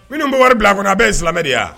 Minnu bɛ wari bila kɔnɔ a bɛɛ ye silamɛmɛ de yan